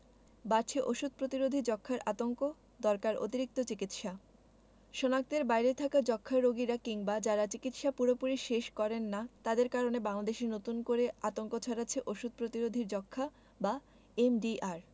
বাড়ছে ওষুধ প্রতিরোধী যক্ষ্মার আতঙ্ক দরকার অতিরিক্ত চিকিৎসা শনাক্তের বাইরে থাকা যক্ষ্মা রোগীরা কিংবা যারা চিকিৎসা পুরোপুরি শেষ করেন না তাদের কারণে বাংলাদেশে নতুন করে আতঙ্ক ছড়াচ্ছে ওষুধ প্রতিরোধী যক্ষ্মা বা এমডিআর